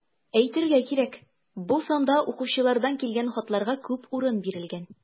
Әйтергә кирәк, бу санда укучылардан килгән хатларга күп урын бирелгән.